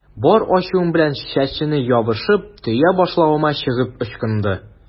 Бар ачуым белән чәченә ябышып, төя башлавыма чыгып ычкынды.